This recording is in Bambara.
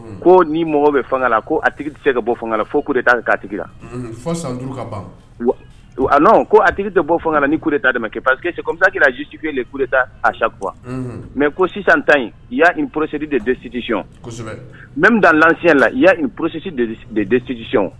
Ko ni mɔgɔ bɛ fanga la ko a tigi tɛ se ka bɔ fangaka la fo kour taa ka tigila a ko a tigi tɛ bɔ fɔ ka na ni ko de t' ma p quese kɔmipikijisi deure taa asa qu mɛ ko sisan tan in yaa porossidi de de sidisi n min dan lansiyɛn la i yaa porosi de de siticɔn